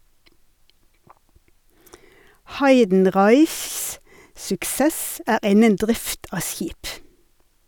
Heidenreichs suksess er innen drift av skip.